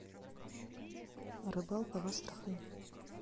рыбалка в астрахани